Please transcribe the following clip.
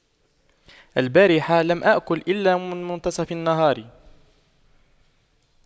البارحة لم آكل إلا من منتصف النهار